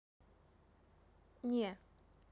не